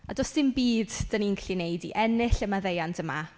A does dim byd dan ni'n gallu wneud i ennill y maddeuant yma.